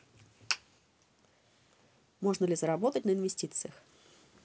можно ли заработать на инвестициях